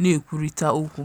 na-ekwurịta okwu.